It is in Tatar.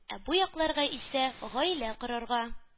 Ә бу якларга исә гаилә корырга,